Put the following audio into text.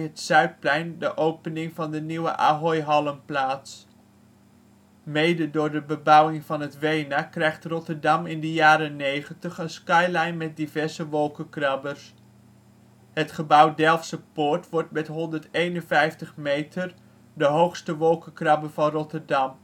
opening van de nieuwe Ahoy-hallen plaats. Mede door de bebouwing van het Weena krijgt Rotterdam in de jaren ' 90 een skyline met diverse wolkenkrabbers. Het Gebouw Delftse Poort wordt met 151 meter de hoogste wolkenkrabber van Rotterdam